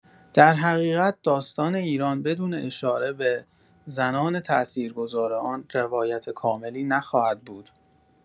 در حقیقت داستان ایران بدون اشاره به زنان تاثیرگذار آن روایت کاملی نخواهد بود.